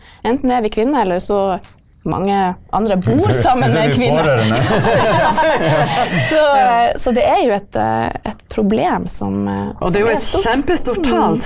enten er vi kvinner eller så mange andre bor sammen med en kvinne så så det er jo et et problem som som er stort .